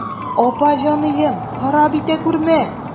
Апа җаныем, харап итә күрмә.